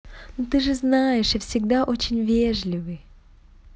ну ты же знаешь я всегда очень вежливый